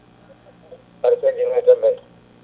aɗa selli *